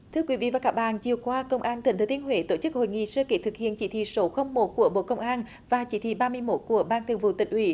thưa quý vị và các bạn chiều qua công an tỉnh thừa thiên huế tổ chức hội nghị sơ kết thực hiện chỉ thị số không một của bộ công an và chỉ thị ba mươi mốt của ban thường vụ tỉnh ủy